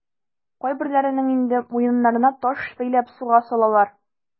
Кайберләренең инде муеннарына таш бәйләп суга салалар.